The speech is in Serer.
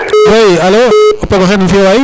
oui alo o o pogoxe nam fiyo waay